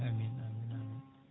amine amine amine